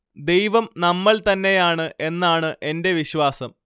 ദൈവം നമ്മൾ തന്നെയാണ് എന്നാണ് എന്റെ വിശ്വാസം